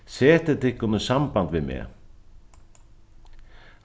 setið tykkum í samband við meg